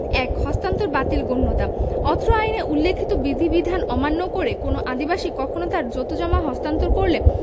১ হস্তান্তর বাতিল গণ্যতা অত্র আইনে উল্লিখিত বিধিবিধান অমান্য করে কোন আদিবাসী কখনো তার জোতজমা হস্তান্তর করলে